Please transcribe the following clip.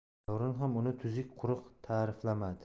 davron ham uni tuzuk quruq tariflamadi